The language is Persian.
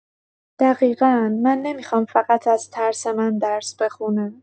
دقیقا، من نمی‌خوام فقط از ترس من درس بخونه.